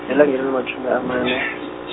elangeni elimatjhumi amane.